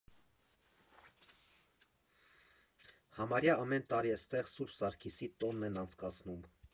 Համարյա ամեն տարի էստեղ Սուրբ Սարգիսի տոնն են անց կացնում։